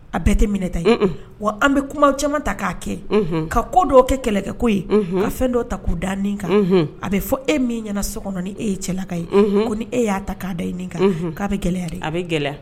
A bɛɛ tɛ minɛta ye wa an bɛ kuma caman ta k'a kɛ ka ko dɔw kɛ kɛlɛ kɛ koko ye a fɛn dɔ ta k'u da nin kan a bɛ fɔ e min ɲɛna so kɔnɔ ni e ye cɛla ka ye ko ni e y'a ta k'a da nin kan k'a bɛ gɛlɛyaya de a bɛ gɛlɛya